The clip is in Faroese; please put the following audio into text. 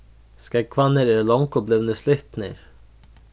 skógvarnir eru longu blivnir slitnir